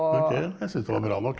ok, jeg syns det var bra nok.